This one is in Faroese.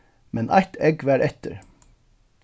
men eitt egg var eftir